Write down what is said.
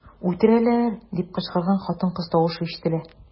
"үтерәләр” дип кычкырган хатын-кыз тавышы ишетелә.